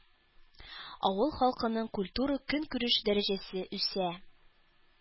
Авыл халкының культура-көнкүреш дәрәҗәсе үсә.